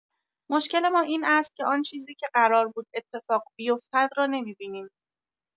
مشکل ما این است که آن چیزی که قرار بود اتفاق بیفتد را نمی‌بینیم.